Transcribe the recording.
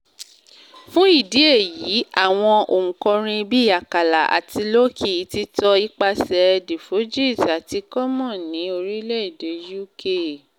Fún ìdí èyí, àwọn òǹkọrin bíi Akala àti Lowkey ti tọ ipàsẹ̀ The Fugees àti Common ní orílẹ̀-èdè UK.